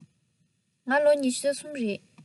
ང ད ལོ ལོ ཉི ཤུ རྩ གསུམ ཡིན